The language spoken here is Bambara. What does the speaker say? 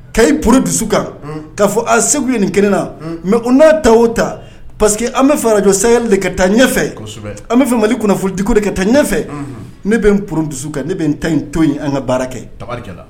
Ka i puri dusu kan, Un, k'a fɔ aa Seku ye nin kɛ ne na, Un, mais o n'a ta o ta parce que an bɛ fɛ radio sahel _ de ka taa ɲɛfɛ. Kosɛbɛ. An bɛ fɛ Mali kunnafoni di ko ka taa ɲɛfɛ . Unhun. Ne bɛ n puru n dusu kan, ne bɛ n ta in to yen, an ka baara kɛ. Tabarikala